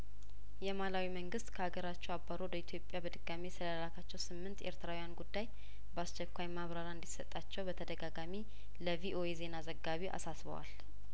የማላዊ መንግስት ከሀገራቸው አባሮ ወደ ኢትዮጵያበድጋሚ ስለላካቸው ስምንት ኤርትራውያን ጉዳይበአስቸኳይማብራሪያእንዲ ሰጣቸው በተደጋጋሚ ለቪኦኤ ዜና ዘጋቢ አሳ ስበዋል